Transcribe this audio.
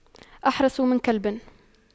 أحرس من كلب